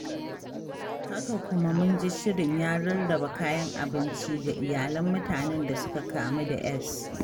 Haka kuma mun ji shirin ya rarraba kayan abinci ga iyalan mutanen da suka kamu da Es.